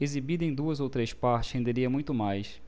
exibida em duas ou três partes renderia muito mais